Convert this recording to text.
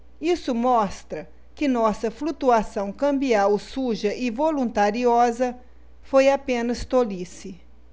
isso mostra que nossa flutuação cambial suja e voluntariosa foi apenas tolice